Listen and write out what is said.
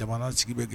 Jamana sigi bɛ gɛ